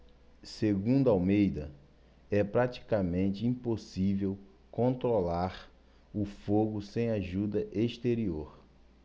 segundo almeida é praticamente impossível controlar o fogo sem ajuda exterior